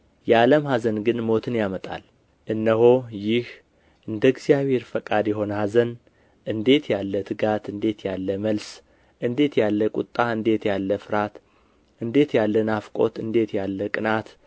የዓለም ኀዘን ግን ሞትን ያመጣል እነሆ ይህ እንደ እግዚአብሔር ፈቃድ የሆነ ኀዘን እንዴት ያለ ትጋት እንዴት ያለ መልስ እንዴት ያለ ቁጣ እንዴት ያለ ፍርሃት እንዴት ያለ ናፍቆት እንዴት ያለ ቅንዓት